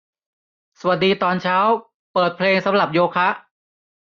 สวัสดีตอนเช้าเปิดเพลงสำหรับโยคะ